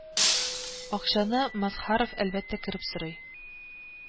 Акчаны Мазһаров, әлбәттә кереп сорый